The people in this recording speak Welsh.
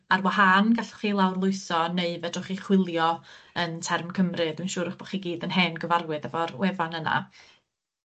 ar wahân gallwch chi lawrlwytho neu fedrwch chi chwilio yn Term Cymru, dwi'n siŵr 'ych bo' chi gyd yn hen gyfarwydd efo'r wefan yna.